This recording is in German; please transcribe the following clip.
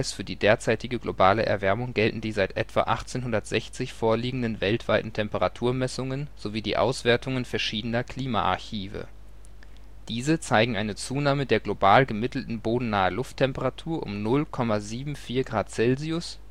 für die derzeitige globale Erwärmung gelten die seit etwa 1860 vorliegenden weltweiten Temperaturmessungen sowie die Auswertungen verschiedener Klimaarchive. Diese zeigen eine Zunahme der global gemittelten bodennahen Lufttemperatur um 0,74 °C